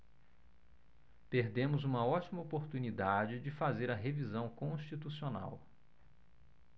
perdemos uma ótima oportunidade de fazer a revisão constitucional